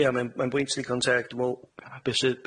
Mae ia mae'n mae'n bwynt digon teg dwi me'wl a be' sy'